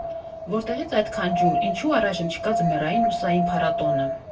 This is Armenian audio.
Որտեղի՞ց այդքան ջուր, ինչո՞ւ առայժմ չկա ձմեռային լուսային փառատոնը.